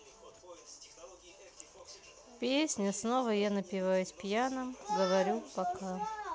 песня снова я напиваюсь пьяным говорю пока